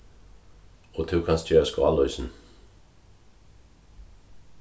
og tú kanst gerast gáloysin